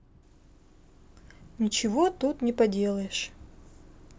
ничего тут не поделаешь